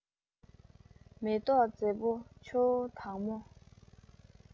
མེ ཏོག མཛེས པོ ཆུ བོ དྭངས མོ